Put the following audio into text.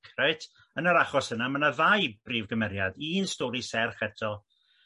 reit yn yr achos yna ma' 'na ddau brif gymeriad un stori serch eto